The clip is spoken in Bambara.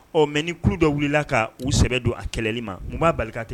Ɔ mɛ ni tulo dɔ wulila ka uu sɛbɛ don a kɛlɛli ma n b'a barika ten